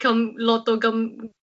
cam- lot o gam-